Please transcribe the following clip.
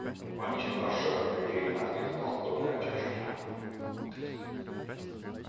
eingin orsøk er til at vit áttu at gjørt tað